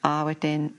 A wedyn